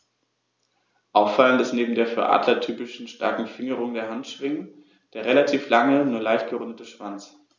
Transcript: Auffallend ist neben der für Adler typischen starken Fingerung der Handschwingen der relativ lange, nur leicht gerundete Schwanz.